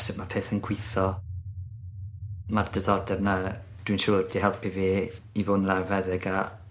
sut ma' pethe'n gwitho. Ma'r diddordeb 'na dwi'n siŵr 'di helpu fi i fod yn lawfeddyg a